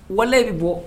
Wale bɛ bɔ